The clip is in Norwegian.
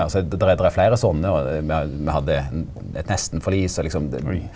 altså der der er fleire sånne og me me hadde eit nestenforlis og liksom.